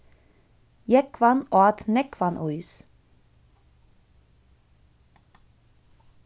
jógvan át nógvan ís